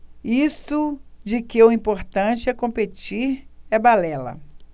isso de que o importante é competir é balela